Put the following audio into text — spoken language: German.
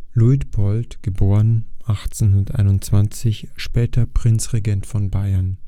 Luitpold (* 1821, später Prinzregent von Bayern